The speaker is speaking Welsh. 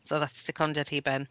So ddaeth secondiad hi i ben.